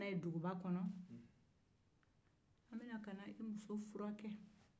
an bɛna taa i muso furakɛ duguba kɔnɔ